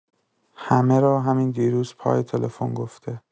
همه را همین دیروز پای تلفن گفته